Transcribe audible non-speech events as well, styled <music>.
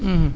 <hesitation> <hesitation>